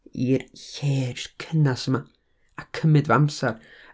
i'r lle jyst cynnes yma, a cymyd fy amser.